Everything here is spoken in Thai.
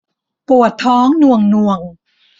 ปวดท้องหน่วงหน่วง